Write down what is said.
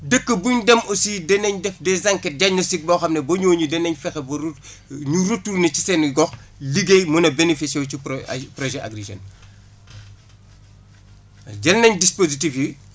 dëkk buñ dem aussi danañ def des enquêtes diagnostique boo xam ne ba ñooñu danañ fexe ba re ñu retourner ci seen i gox liggéey mën a bénéficié wu ci pro ay projet Agri Jeunes jël nañ dispositif yi